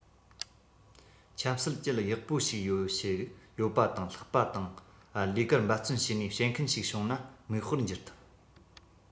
ཆབ སྲིད ཅུད ཡག པོ ཞིག ཡོད ཞིག ཡོད པ དང ལྷག པ དང ལས ཀར འབད བརྩོན བྱས ནས བྱེད མཁན ཞིག བྱུང ན མིག དཔེར འགྱུར ཐུབ